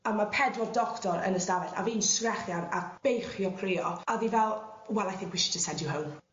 a ma' pedwar doctor yn y stafell a fi'n sgrechian a beichio crio a o'dd 'i fel well I think we should jys send you home.